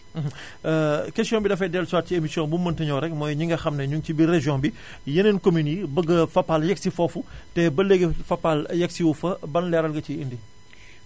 question bi dafay dellu si waat si émission bu mu mën ti ñëw rekk mooy ñi nga xam ne ñu ngi ci biir région bi yeneen commune bëgg Fapal yeksi foofu te ba léegi Fapal yeksi wu fa ban leeral nga ciy indi